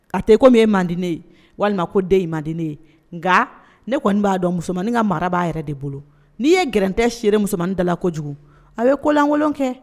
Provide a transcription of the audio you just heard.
A tɛ komi ye mande ye walima ko den ye mande ye nka ne kɔni b'a dɔn musomanmaninin ka mara b'a yɛrɛ de bolo n'i ye g tɛ siri musomanmani dala kojugu a ye kolankolon kɛ